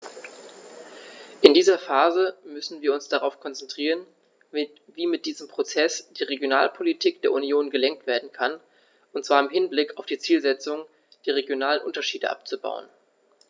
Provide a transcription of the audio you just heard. In dieser Phase müssen wir uns darauf konzentrieren, wie mit diesem Prozess die Regionalpolitik der Union gelenkt werden kann, und zwar im Hinblick auf die Zielsetzung, die regionalen Unterschiede abzubauen.